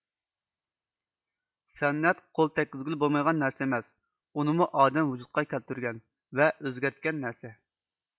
سەنئەت قول تەككۈزگىلى بولمايدىغان نەرسە ئەمەس ئۇنىمۇ ئادەم ۋۇجۇدتقا كەلتۈرگەن ۋە ئۆزگەرتكەن نەرسە